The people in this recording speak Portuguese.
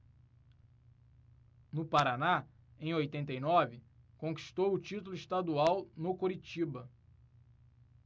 no paraná em oitenta e nove conquistou o título estadual no curitiba